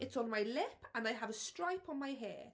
It's on my lip and I have a stripe on my hair.